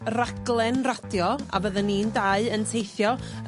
...raglen radio a fydden ni'n dau yn teithio